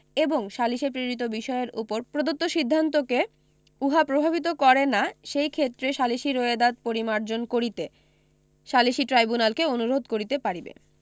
এবং সালিসে প্রেরিত বিষয়ের উপর প্রদত্ত সিদ্ধান্তকে উহা প্রভাবিত করে না সেইক্ষেত্রে সালিসী রোয়েদাদ পরিমার্জন করিতে সালিসী ট্রাইব্যুনালকে অনুরোধ করিতে পারিবে